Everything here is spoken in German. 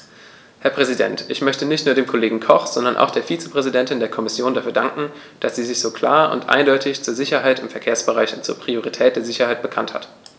Herr Präsident, ich möchte nicht nur dem Kollegen Koch, sondern auch der Vizepräsidentin der Kommission dafür danken, dass sie sich so klar und eindeutig zur Sicherheit im Verkehrsbereich und zur Priorität der Sicherheit bekannt hat.